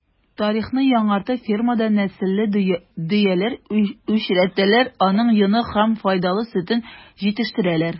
Тарихны яңартып фермада нәселле дөяләр үчретәләр, аның йонын һәм файдалы сөтен җитештерәләр.